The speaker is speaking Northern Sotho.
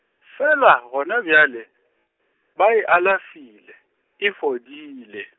fela gona bjale, ba e alafile, e fodile.